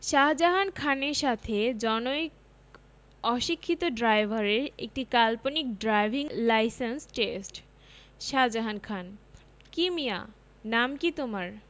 শাজাহান খানের সাথে জনৈক অশিক্ষিত ড্রাইভারের একটি কাল্পনিক driving licence test Shajahan Khan কি মিয়া নাম কি তোমার